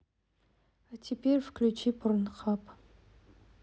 а теперь включи порнохаб